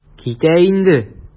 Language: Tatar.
Китә инде.